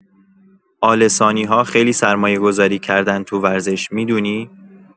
آل‌ثانی‌ها خیلی سرمایه‌گذاری کردن تو ورزش، می‌دونی؟